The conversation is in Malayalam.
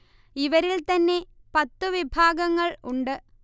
ഇവരിൽ തന്നെ പത്തു വിഭാഗങ്ങൾ ഉണ്ട്